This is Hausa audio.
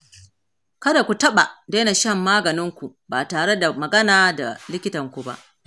kada ku taɓa daina shan maganin ku ba tare da magana da likitan ku ba.